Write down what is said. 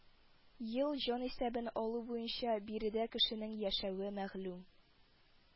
Ел җанисәбен алу буенча биредә кешенең яшәве мәгълүм